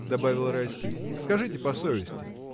— добавил Райский, — скажите по совести!